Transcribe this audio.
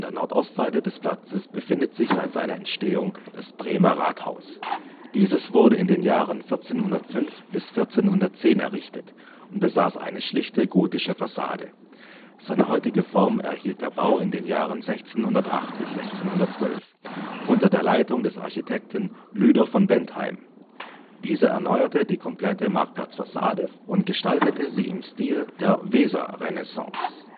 Nordostseite des Platzes befindet sich seit seiner Entstehung das Bremer Rathaus. Dieses wurde in den Jahren 1405 bis 1410 errichtet und besaß eine schlichte gotische Fassade. Seine heutige Form erhielt der Bau in den Jahren 1608 bis 1612 unter der Leitung des Architekten Lüder von Bentheim. Dieser erneuerte die komplette Marktplatz-Fassade und gestaltete sie im Stil der Weserrenaissance